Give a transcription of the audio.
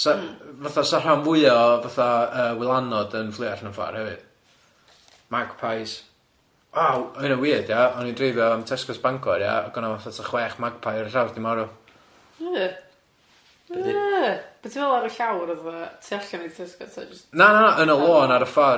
Sa fatha sa rhan fwya o fatha yy wylanod yn fflio allan y ffor hefyd, magpies, wow o' hynna'n wierd ia o'n i'n dreifio am Tesco's Bangor ia ag o'na fatha ta' chwech magpie ar y llawr di'n marw. Yy yy, be' ti'n meddwl ar y llawr fatha tu allan i Tesco ta jyst. Na na yn y lôn ar y ffor?